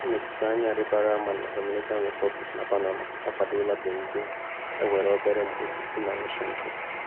Ndị nnọchite anya rịbara ama na Dominican Republic na Panama akwadola Beijing, enwere obere mgbochi si na Washington.